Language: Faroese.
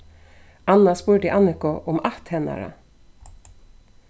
anna spurdi anniku um ætt hennara